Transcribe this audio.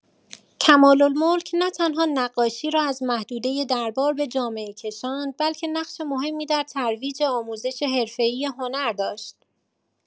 کمال‌الملک نه‌تنها نقاشی را از محدوده دربار به جامعه کشاند، بلکه نقش مهمی در ترویج آموزش حرفه‌ای هنر داشت.